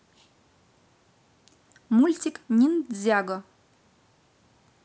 мультик ниндзяго